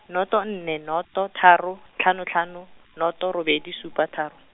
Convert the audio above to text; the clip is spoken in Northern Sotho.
noto, nne, noto, tharo, hlano, hlano, noto, robedi, šupa, tharo.